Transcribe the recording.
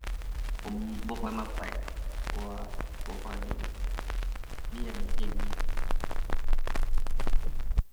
ผมบ่ค่อยมักไปครับ เพราะว่าบ่ค่อยเรียนเก่งครับ